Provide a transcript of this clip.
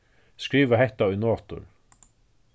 skriva hetta í notur